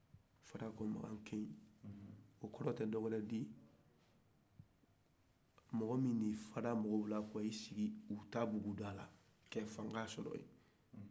farkɔmakankeyi o kɔrɔ te dɔwɛre ye mɔgɔ nin y'i fara mɔgɔw la ka ka i sigi u ka buguda la kan fanka sɔrɔ yen